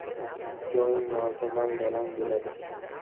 doim martabang baland bo'ladi